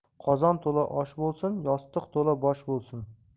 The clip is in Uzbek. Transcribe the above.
qozon to'la osh bo'lsin yostiq to'la bosh bo'lsin